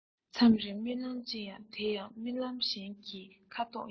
མཚམས རེར རྨི ལམ ཅི ཡང དེ ཡང རྨི ལམ གཞན ཞིག གི ཁ དོག ཡིན